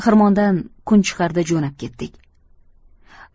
xirmondan kun chiqarda jo'nab ketdik